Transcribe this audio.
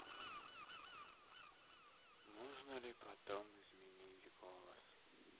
можно ли потом изменить голос